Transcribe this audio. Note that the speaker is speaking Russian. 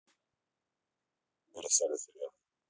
версаль сериал